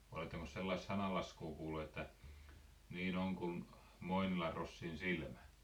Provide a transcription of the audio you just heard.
olettekos sellaista sananlaskua kuullut että niin on kuin Moinilan Rossin silmä